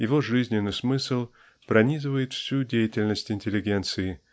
его жизненный смысл пронизывает всю деятельность интеллигенции